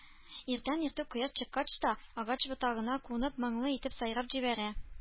Иртән-иртүк, кояш чыккач та, агач ботагына кунып моңлы итеп сайрап җибәрә